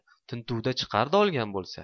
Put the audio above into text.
tintuvda chiqardi olgan bo'lsa